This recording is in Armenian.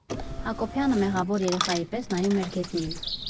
Հակոբյանը մեղավոր երեխայի պես նայում էր գետնին։